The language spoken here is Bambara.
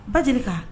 Ba jelika